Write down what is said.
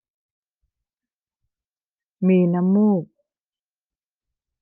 มีน้ำมูก